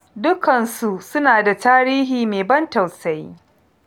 Dukkansu su na da tarihi mai ban tausayi.